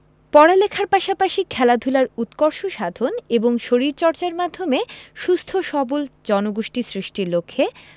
পড়ালেখার পাশাপাশি খেলাধুলার উৎকর্ষ সাধন এবং শরীরচর্চার মাধ্যমে সুস্থ সবল জনগোষ্ঠী সৃষ্টির লক্ষ্যে